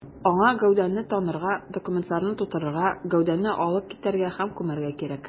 Аңа гәүдәне танырга, документларны турырга, гәүдәне алып китәргә һәм күмәргә кирәк.